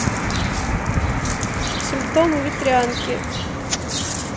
симптомы ветрянки